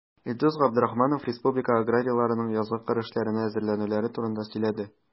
Илдус Габдрахманов республика аграрийларының язгы кыр эшләренә әзерләнүләре турында сөйләде.